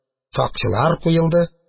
Сакчылар куелды.